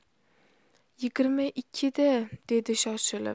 yigirma ikkida dedi shoshilib